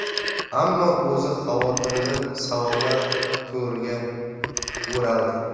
ammo o'zi xavotirli savollar to'riga o'raldi